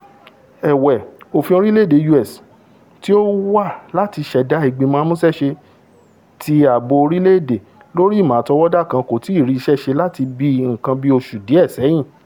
Ẹ̀wẹ̀, òfin orílẹ̀-èdè U.S. tí ó ń wá láti ṣẹ̀dá Ìgbìmọ̀ Amúṣẹ́ṣe ti Ààbò orílẹ̀-èdè lórí Ìmọ̀ Àtọwọ́da kan kò tíì rí iṣẹ́ ṣe láti bíi nǹkan bíi oṣù díẹ̀ ṣẹ́yìn